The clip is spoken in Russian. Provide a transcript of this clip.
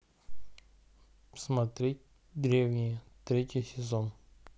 смотреть древние третий сезон